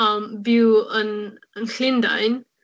yym byw yn yn Llundain.